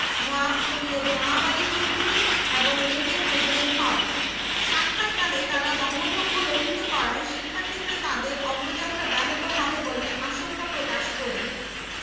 গণিত বিভাগ এবং অনুদ্বৈপায়ন ভট্টাচার্য পদার্থবিদ্যা বিভাগ ঢাকা বিশ্ববিদ্যালয়ের প্রধান মেডিক্যাল অফিসার ডা. মোহাম্মদ মর্তুজা এবং ইউনিভার্সিটি ল্যাবরেটরি স্কুলের শিক্ষক